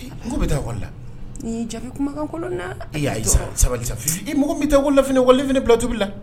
K'u bɛ taa école la, li ye n jaabi kumakan kolon na, e ayi sa, sabali sa Fifi mɔgɔ min bɛ taa école la lakɔliden fana bila tobili la